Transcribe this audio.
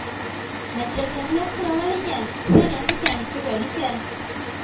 Мәдрәсәне яптыралар икән, фәлән икән, төгән икән!